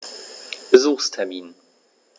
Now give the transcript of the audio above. Besuchstermin